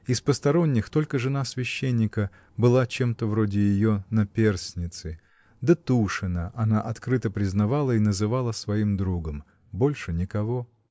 Из посторонних только жена священника была чем-то вроде ее наперсницы, да Тушина она открыто признавала и называла своим другом, — больше никого.